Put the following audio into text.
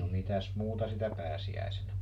no mitäs muuta sitä pääsiäisenä